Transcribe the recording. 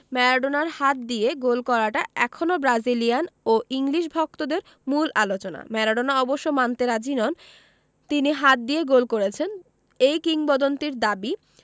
ম্যারাডোনার হাত দিয়ে গোল করাটা এখনো ব্রাজিলিয়ান ও ইংলিশ ভক্তদের মূল আলোচনা ম্যারাডোনা অবশ্য মানতে রাজি নন তিনি হাত দিয়ে গোল করেছেন এই কিংবদন্তির দাবি